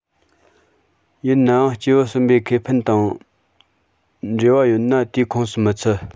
ཡིན ནའང སྐྱེ བོ གསུམ པའི ཁེ ཕན དང འབྲེལ བ ཡོད ན དེའི ཁོངས སུ མི ཚུད